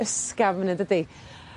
ysgafn yndydi?